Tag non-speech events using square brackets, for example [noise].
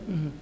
[hesitation] [hesitation]